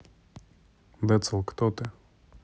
децл кто ты